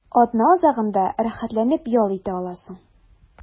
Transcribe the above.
Атна азагында рәхәтләнеп ял итә аласың.